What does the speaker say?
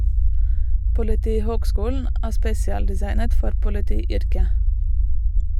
- Politihøgskolen er spesialdesignet for politiyrket.